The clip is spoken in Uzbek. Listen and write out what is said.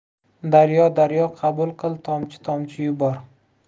daryo daryo qabul qil tomchi tomchi yubor